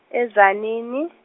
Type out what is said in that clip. e- Dzanani.